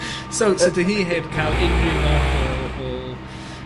So, so dyw hi heb ca'l unryw fath o o